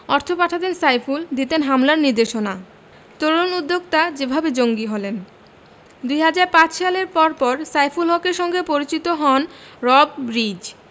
অর্থ পাঠাতেন সাইফুল দিতেন হামলার নির্দেশনা তরুণ উদ্যোক্তা যেভাবে জঙ্গি হলেন ২০০৫ সালের পরপর সাইফুল হকের সঙ্গে পরিচিত হন রব রিজ